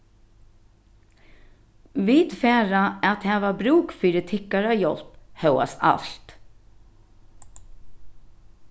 vit fara at hava brúk fyri tykkara hjálp hóast alt